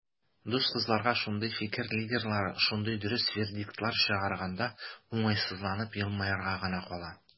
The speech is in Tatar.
Дус кызларга шундый "фикер лидерлары" шундый дөрес вердиктлар чыгарганда, уңайсызланып елмаерга гына кала.